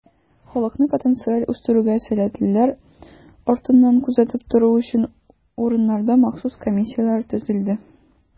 Халыкны потенциаль үстерүгә сәләтлеләр артыннан күзәтеп тору өчен, урыннарда махсус комиссияләр төзелде.